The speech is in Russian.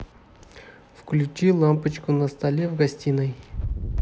включи лампочку на столе в гостиной